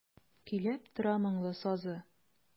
Көйләп тора моңлы сазы.